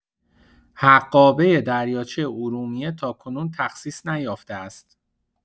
حقابه دریاچه ارومیه تاکنون تخصیص نیافته است.